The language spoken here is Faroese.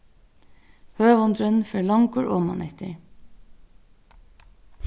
høvundurin fer longur omaneftir